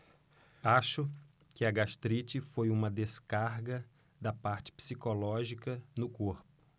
acho que a gastrite foi uma descarga da parte psicológica no corpo